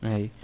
eyyi